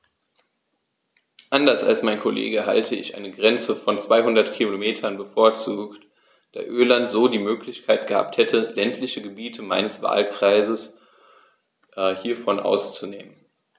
Anders als mein Kollege hätte ich eine Grenze von 200 km bevorzugt, da Irland so die Möglichkeit gehabt hätte, ländliche Gebiete meines Wahlkreises hiervon auszunehmen.